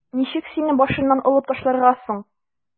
Ничек сине башымнан алып ташларга соң?